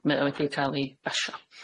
Mae o wedi ca'l ei basio.